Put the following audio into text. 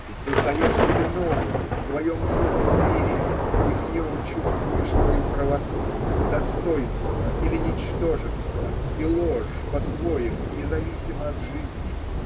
ты создаешь себе новую в своем новом мире и в нем чувствуешь свою правоту, достоинство или ничтожество и ложь по-своему, независимо от жизни.